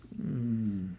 mm